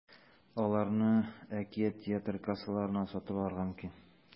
Аларны “Әкият” театры кассаларыннан сатып алырга мөмкин.